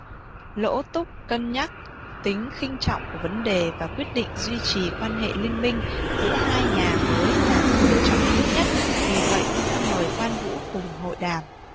lỗ túc cân nhắc tính khinh trọng của vấn đề và quyết định duy trì quan hệ liên minh giữa hai nhà mới là sự lựa chọn tốt nhất vì vậy ông đã mời quan vũ cùng hội đàm